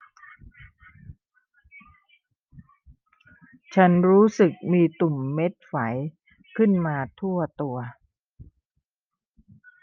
ฉันรู้สึกมีตุ่มเม็ดไฝขึ้นมาทั่วตัว